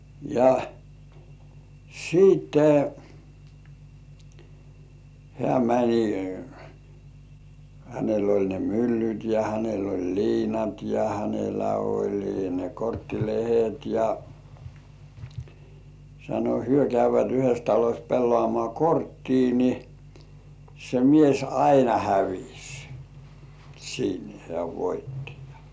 ja sitten hän meni hänellä oli ne myllyt ja hänellä oli liinat ja hänellä oli ne - korttilehdet ja sanoi he käyvät yhdessä talossa pelaamaan korttia niin se mies aina hävisi siinä hän voitti ja